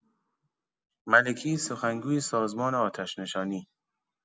ملکی، سحنگوی سازمان آتش‌نشانی